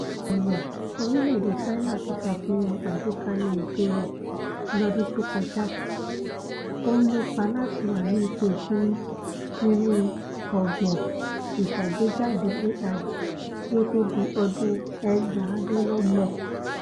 Ẹ̀wẹ̀, orílẹ̀-èdè Ṣáìnà ti ṣàfihàn àgbékalẹ̀ ètò rẹ̀ lọ́dún tó kọjá: ó ńlépa láti wàní ipò ìkínní nínú ọgbọ́n ìṣàgbéjáde AI kí ó tó di ọdún 2030.